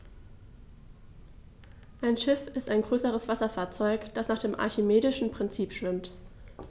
Ein Schiff ist ein größeres Wasserfahrzeug, das nach dem archimedischen Prinzip schwimmt.